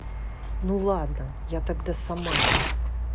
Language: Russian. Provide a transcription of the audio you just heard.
ну ладно тогда я сама